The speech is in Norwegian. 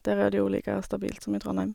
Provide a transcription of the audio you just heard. Der er det jo like stabilt som i Trondheim.